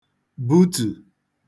butù